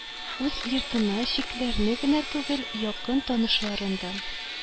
Үз йортына читләрне генә түгел, якын танышларын да